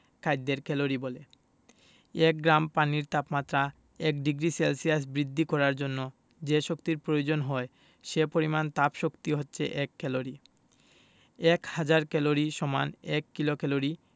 খাদ্যের ক্যালরি বলে এক গ্রাম পানির তাপমাত্রা ১ ডিগ্রি সেলসিয়াস বৃদ্ধি করার জন্য যে শক্তির প্রয়োজন হয় সে পরিমাণ তাপশক্তি হচ্ছে এক ক্যালরি এক হাজার ক্যালরি সমান এক কিলোক্যালরি